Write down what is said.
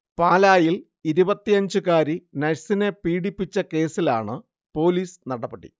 പാലായിൽ ഇരുപത്തഞ്ചുകാരി നഴ്സിനെ പീഡിപ്പിച്ച കേസിലാണ് പൊലീസ് നടപടി